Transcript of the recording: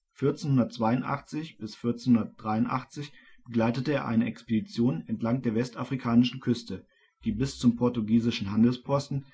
1482-1483 begleitete er eine Expedition entlang der westafrikanischen Küste, die bis zum portugiesischen Handelsposten